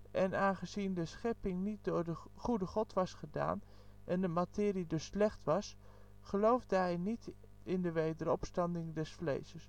en aangezien de schepping niet door de goede God was gedaan, en de materie dus slecht was, geloofde hij niet in de wederopstanding des vleses